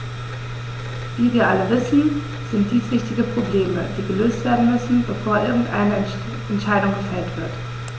Wie wir alle wissen, sind dies wichtige Probleme, die gelöst werden müssen, bevor irgendeine Entscheidung gefällt wird.